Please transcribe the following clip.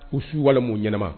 U su wale'u ɲɛnama